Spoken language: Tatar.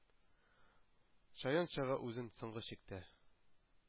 Чаян чага үзен соңгы чиктә,